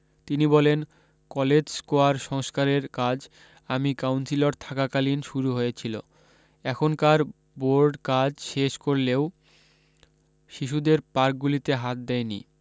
তিনি বলেন college square সংস্কারের কাজ আমি কাউন্সিলর থাকাকালীন শুরু হয়েছিলো এখনকার বোরড কাজ শেষ করলেও শিশুদের পার্কগুলিতে হাত দেয়নি